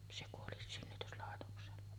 se kuoli synnytyslaitoksella